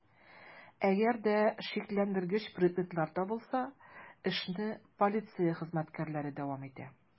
Әгәр дә шикләндергеч предметлар табылса, эшне полиция хезмәткәрләре дәвам итә.